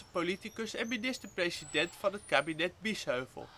politicus en minister-president van het Kabinet-Biesheuvel